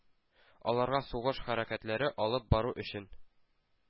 Аларга сугыш хәрәкәтләре алып бару өчен